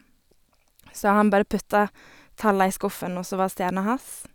Så han bare putta tallene i skuffen, og så var stjernen hans.